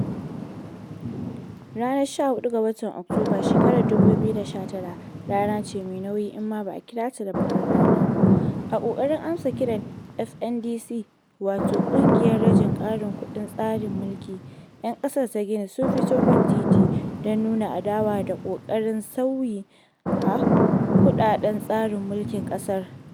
Ranar 14 ga watan Oktoba 2019 rana ce mai muni in ma ba a kira ta da baƙar rana ba, a ƙoƙarin amsa kiran FNDC [wato ƙungiyar Rajin Kare Kundin Tsarin Mulki] 'yan ƙasar ta Gini sun fito kan titina don nuna adawa ga ƙoƙarin sauyi a kundin tsarin mulkin ƙasar.